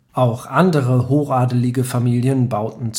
Auch andere hochadelige Familien bauten